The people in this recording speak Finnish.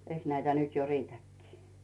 eikös näitä nyt jo riitäkin